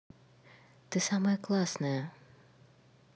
ты самая классная